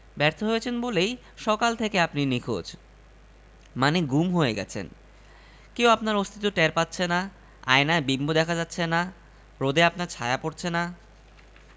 ব্যর্থ হয়েছেন বলেই সকাল থেকে আপনি নিখোঁজ মানে গুম হয়ে গেছেন কেউ আপনার অস্তিত্ব টের পাচ্ছে না আয়নায় বিম্ব দেখা দিচ্ছে না রোদে আপনার ছায়া পড়ছে না